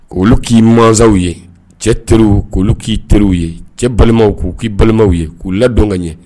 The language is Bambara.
Olu k'i masaw ye cɛ teri k' k'i teriw ye cɛ balimaw k'u k'i balimaw ye k'u ladon ka ɲɛ